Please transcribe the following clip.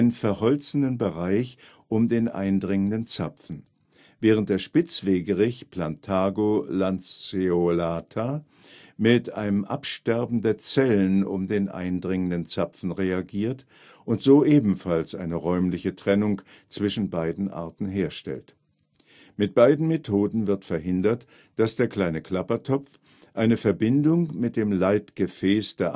verholzenden Bereich um den eindringenden Zapfen, während der Spitzwegerich (Plantago lanceolata) mit einem Absterben der Zellen um den eindringenden Zapfen reagiert und so ebenfalls eine räumliche Trennung zwischen beiden Arten herstellt. Mit beiden Methoden wird verhindert, dass der Kleine Klappertopf eine Verbindung mit dem Leitgefäßsystem